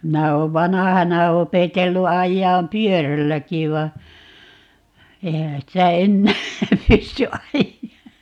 minä olen vanhana opetellut ajamaan pyörälläkin vaan eihän sitä enää pysty ajaa